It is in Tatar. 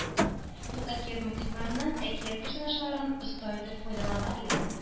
Ул әкият мотивларыннан, әкият персонажларыннан оста итеп файдалана белә